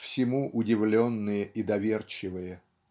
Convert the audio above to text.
всему удивленные и доверчивые.